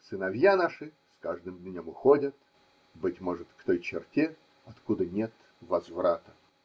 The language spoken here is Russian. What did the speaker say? Сыновья наши с каждым днем уходят – быть может, к той черте, откуда нет возврата.